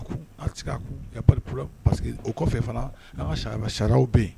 Parce que o kɔfɛ fana saraw bɛ yen